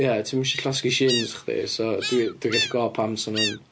Ia ti ddim isio llosgi shins chdi so dwi, dwi gallu gweld pam 'sen nhw'n...